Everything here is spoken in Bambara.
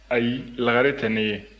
ayi lagare tɛ ne ye